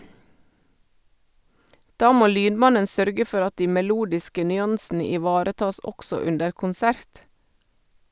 Da må lydmannen sørge for at de melodiske nyansene ivaretas også under konsert.